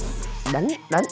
dô